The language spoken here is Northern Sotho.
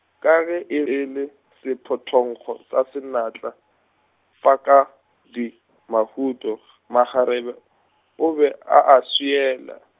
ka ge e e le, sephothonkgo sa senatla, Fakadimahuto makgarebe o be a a swiela.